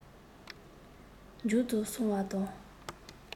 མཇུག རྫོགས སོང བ དང